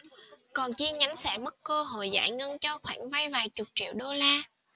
còn chi nhánh sẽ mất cơ hội giải ngân cho khoản vay vài chục triệu đô la